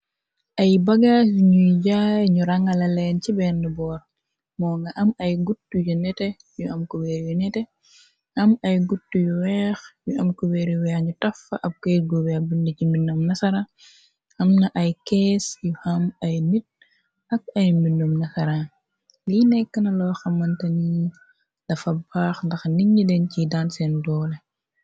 ay bagaas yuñuy jaay ñu rangala leen ci benn boor moo nga am ay gutt yu nete yu am ku weer yu nete am ay gutt yu weex yu am ku weer yu weex ñu tafa ab koyr gube bind ci mbinam nasara am na ay kees yu am ay nit ak ay mbindum nasaraan li nekkna lo xamanta niñ dafa baax ndax nit ni den ci daan seen doole